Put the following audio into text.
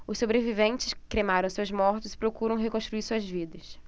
os sobreviventes cremaram seus mortos e procuram reconstruir suas vidas